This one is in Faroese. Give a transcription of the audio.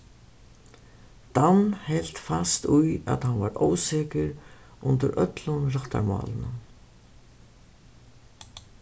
dan helt fast í at hann var ósekur undir øllum rættarmálinum